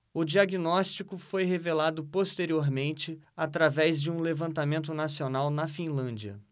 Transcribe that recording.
o diagnóstico foi revelado posteriormente através de um levantamento nacional na finlândia